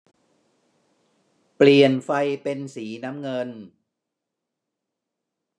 เปลี่ยนไฟเป็นสีน้ำเงิน